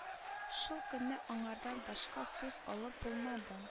Шул көнне аңардан башка сүз алып булмады